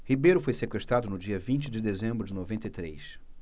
ribeiro foi sequestrado no dia vinte de dezembro de noventa e três